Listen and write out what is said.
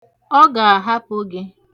Ọ ga-ahapụ gị.